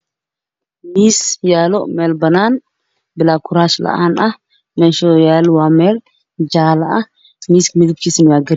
Miss waye Mel banaan meesho yaalo waa meel yaalo ah